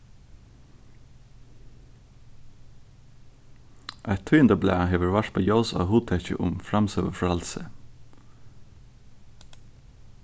eitt tíðindablað hevur varpað ljós á hugtakið um framsøgufrælsi